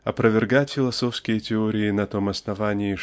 Опровергать философские теории на том основании